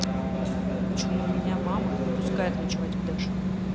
почему меня мама не пускает ночевать к даше